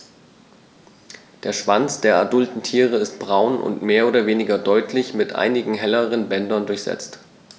Der Schwanz der adulten Tiere ist braun und mehr oder weniger deutlich mit einigen helleren Bändern durchsetzt.